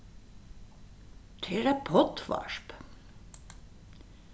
tað er eitt poddvarp